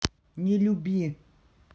не люби